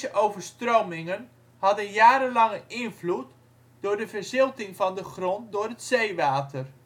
overstromingen hadden jarenlange invloed door de verzilting van de grond door het zeewater